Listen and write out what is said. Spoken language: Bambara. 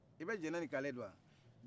i bɛ jɛnɛ ni kale dɔn wa